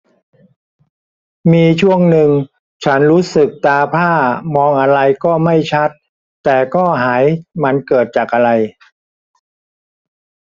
มีช่วงนึงฉันรู้สึกตาพร่ามองอะไรก็ไม่ชัดแต่ก็หายมันเกิดจากอะไร